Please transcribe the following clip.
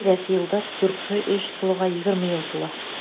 Киләсе елда Тюрксой оештырылуга 20 ел тула.